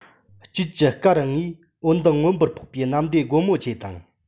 དཀྱིལ དུ སྐར ལྔས འོད མདངས མངོན པར ཕོག པའི གནམ བདེ སྒོ མོ ཆེ དང